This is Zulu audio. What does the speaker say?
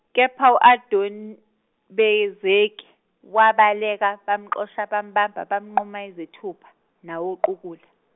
kepha u Adoni, Bezeki, wabaleka, bamxosha, bambamba, bamnquma izithupha, nawoqukula.